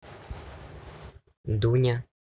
дуня